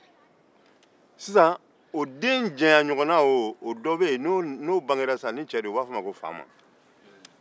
n'o den janyaɲɔgɔnna in kɛra cɛ ye u b'a fɔ o ma ko faama